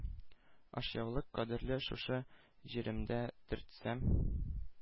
Ашъяулык кадәрле шушы җиремдә төртсәм